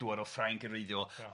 dŵad o Ffrainc yn wreiddiol... Ia...